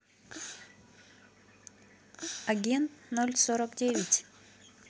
агент ноль сорок девять